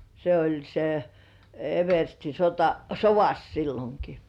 se oli se eversti sotasovassa silloinkin